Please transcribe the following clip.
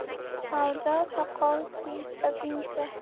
savdo soqol siypaguncha